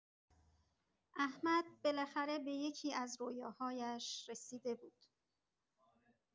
احمد بالاخره به یکی‌از رویاهایش رسیده بود.